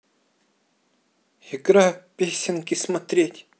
игра песенки смотреть